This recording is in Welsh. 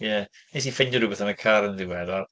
Ie, wnes i ffeindio rywbeth yn y car yn ddiweddar.